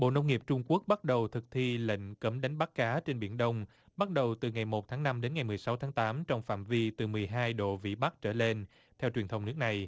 bộ nông nghiệp trung quốc bắt đầu thực thi lệnh cấm đánh bắt cá trên biển đông bắt đầu từ ngày một tháng năm đến ngày mười sáu tháng tám trong phạm vi từ mười hai độ vĩ bắc trở lên theo truyền thông nước này